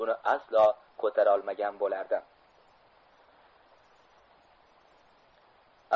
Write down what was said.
buni aslo ko'tarolmagan bo'lardi